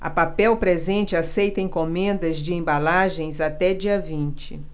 a papel presente aceita encomendas de embalagens até dia vinte